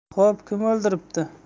xo'p kim o'ldiribdi